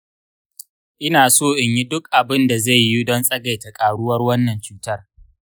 ina so in yi duk abin da zai yiwu don tsagaita ƙaruwar wannan cutar.